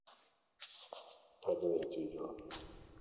продолжить видео